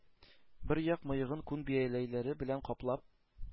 Бер як мыегын күн бияләе белән каплап,